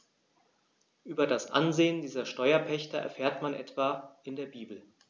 Über das Ansehen dieser Steuerpächter erfährt man etwa in der Bibel.